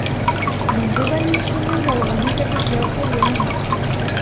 Мондый больничныйны ялган итеп эшләү кыен.